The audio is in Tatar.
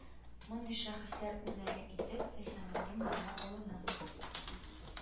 Мондый шәхесләр үрнәге итеп Хисаметдин менла алына